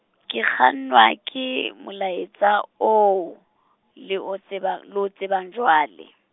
ke kgannwa, ke molaetsa oo le o tseba le o tsebang jwale.